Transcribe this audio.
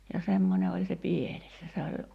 ja semmoinen oli se pieles ja se oli